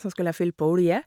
Så skulle jeg fylle på olje.